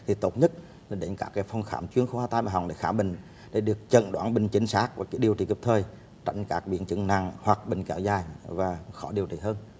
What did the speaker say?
thì tốt nhất là đến các phòng khám chuyên khoa tai mũi họng để khám bệnh để được chẩn đoán bệnh chính xác và điều trị kịp thời tránh các biến chứng nặng hoặc bệnh kéo dài và khó điều trị hơn